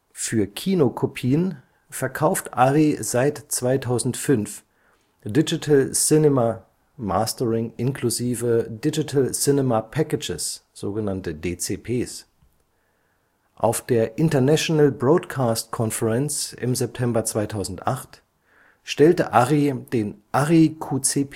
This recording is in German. Für Kinokopien verkauft Arri seit 2005 Digital Cinema Mastering inklusive Digital Cinema Packages (DCPs). Auf der International Broadcast Conference im September 2008 stellte Arri den ARRIQCP (ARRI